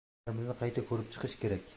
qonunlarimizni qayta ko'rib chiqish kerak